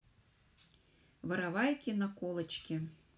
воровайки наколочки